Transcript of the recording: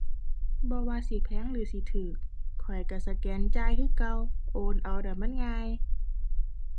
บ่ว่าสิแพงหรือสิถูก ข้อยถูกสแกนจ่ายคือเก่า โอนเอาล่ะ มันง่าย